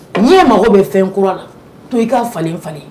N'i ye mago bɛ fɛn kura la to i ka fa falen